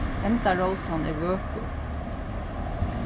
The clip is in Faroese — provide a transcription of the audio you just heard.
henda rósan er vøkur